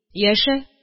Яшә